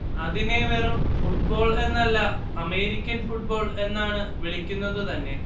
അതിനെ വെറും ഫുട്ബോൾ എന്നല്ല അമേരിക്കൻ ഫുട്ബോൾ എന്നാണ് വിളിക്കുന്നത് തന്നെ